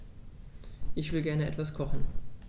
Ich will gerne etwas kochen.